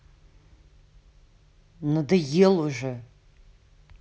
надоел уже